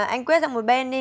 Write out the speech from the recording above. anh quyết ra một bên đi